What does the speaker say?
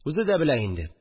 Үзе дә белә инде